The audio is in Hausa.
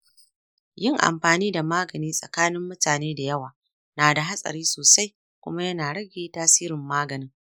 yin amfani da magani tsakanin mutane dayawa nada hadari sosai kuma yana rage tasirin maganin.